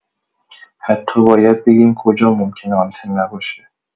حتی باید بگیم کجا ممکنه آنتن نباشه.